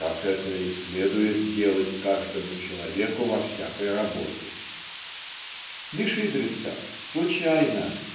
"как это и следует делать каждому человеку во всякой работе". Лишь изредка случайно